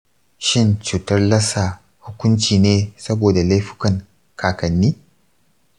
shin cutar lassa hukunci ne saboda laifukan kakanni?